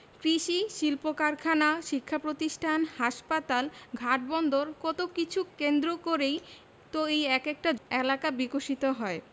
কৃষি শিল্পকারখানা শিক্ষাপ্রতিষ্ঠান হাসপাতাল ঘাট বন্দর কত কিছু কেন্দ্র করেই তো এক একটা এলাকা বিকশিত হয়